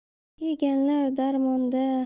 yeganlar darmonda